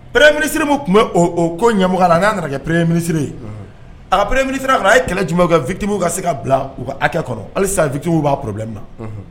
premier ministre mi tun bɛ o o ko ɲamɔgɔ la n'a nana kɛ premier ministre , a ka mintre ya kɔnɔ, a ye kɛlɛ jumɛnw de kɛ victimes ka se ka bila u ka hakɛw kɔrɔ, hali sisan victimes b'a probleme na. unhun